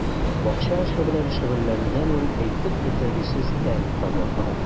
Бакча эше белән шөгыльләнүдән ул әйтеп бетергесез тәм таба.